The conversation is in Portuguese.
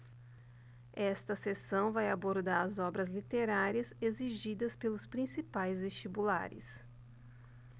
esta seção vai abordar as obras literárias exigidas pelos principais vestibulares